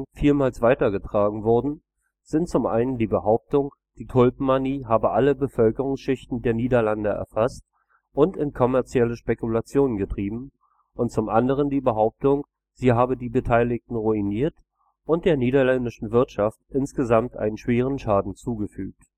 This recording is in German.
vielmals weitergetragen wurden, sind zum einen die Behauptung, die Tulpenmanie habe alle Bevölkerungsschichten der Niederlande erfasst und in kommerzielle Spekulationen getrieben, und zum anderen die Behauptung, sie habe die Beteiligten ruiniert und der niederländischen Wirtschaft insgesamt einen schweren Schaden zugefügt